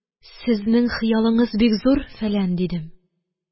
Сезнең хыялыңыз бик зур, фәлән, – дидем.